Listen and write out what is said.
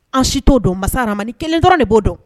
An si' don masamani ni kelen dɔrɔn de b'o dɔn